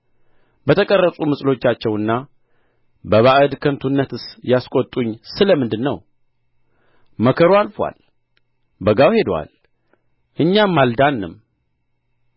በተቀረጹ ምስሎቻቸውና በባዕድ ከንቱነትስ ያስቈጡኝ ስለ ምንድር ነው መከሩ አልፎአል በጋው ሄዶአል እኛም አልዳንነም